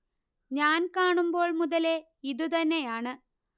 ഞാൻ കാണുമ്പോൾ മുതലേ ഇതു തന്നെയാണ്